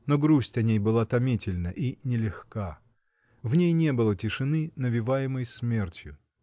но грусть о ней была томительна и не легка: в ней не было тишины, навеваемой смертью.